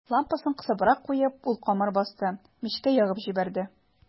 Лампасын кысыбрак куеп, ул камыр басты, мичкә ягып җибәрде.